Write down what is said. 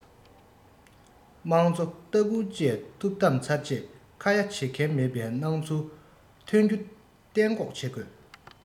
དམངས གཙོ ལྟ སྐུལ བཅས ཐུབ བདམས ཚར རྗེས ཁ ཡ བྱེད མཁན མེད པའི སྣང ཚུལ ཐོན རྒྱུ གཏན འགོག བྱེད དགོས